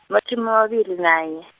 matjhumi amabili nanye.